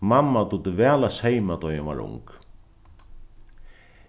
mamma dugdi væl at seyma tá ið hon var ung